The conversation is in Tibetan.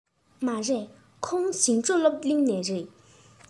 མ རེད ཁོང ཞིང འབྲོག སློབ གླིང ནས རེད